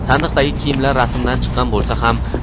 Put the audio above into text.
sandiqdagi kiyimlar rasmdan chiqqan bo'lsa ham